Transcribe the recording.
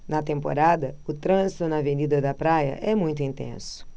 na temporada o trânsito na avenida da praia é muito intenso